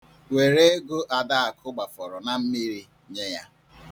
Were ego Adakụ gbafọrọ na mmiri nye ya.